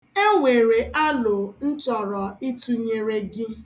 E nwere aro m chọrọ ịtụnyere gị.